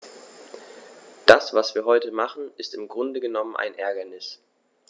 Das, was wir heute machen, ist im Grunde genommen ein Ärgernis.